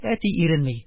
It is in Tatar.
Әти иренми,